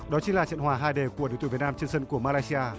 đó chính là trận hòa hai đều của đội tuyển việt nam trên sân của ma lay si a